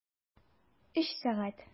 Өч сәгать!